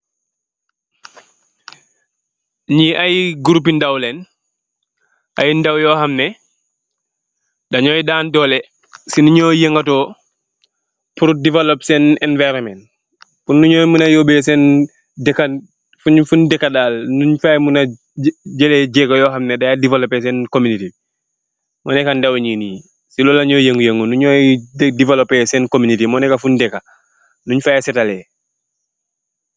Nyi ay groupi ndaw len ay ndaw yo hamnex de nyoi ndan dole si ne nyu yegeto pul develop sen environment pul no nyu mona yope sen deka fung deka daal nu faay mona jeleeh jego yo hamantex dai develop sen community moneka ndaw nee ni si lolu le nyui yenyengu no nyoi developi sen community moneka fung deka nung koi setale.